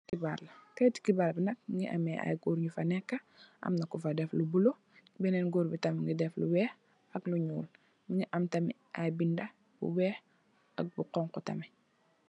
Kayetu keebar, kayetu keebar bi nak mungi ameh gòor yu fa nekka. Amna ku fa def lu bulo, benen gòor bi tamit mungi def lu weeh ak lu ñuul. Mungi am tamit ay binda yu weeh ak bu honku tamit.